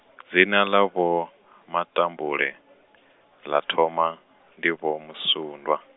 dzina ḽa Vho Matambule, ḽa thoma, ndi Vho Musundwa.